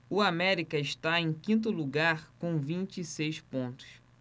o américa está em quinto lugar com vinte e seis pontos